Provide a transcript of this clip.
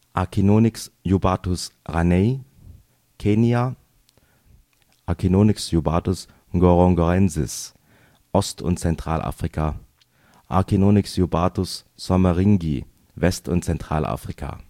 A. j. raineyi, Kenia A. j. ngorongorensis, Ost - und Zentralafrika A. j. soemmeringii, West - und Zentralafrika